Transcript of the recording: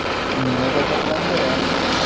Мине гаҗәпләндерә: